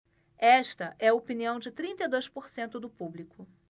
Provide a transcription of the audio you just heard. esta é a opinião de trinta e dois por cento do público